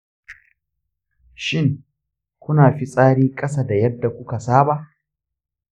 shin, kuna fitsari ƙasa da yadda kuka saba?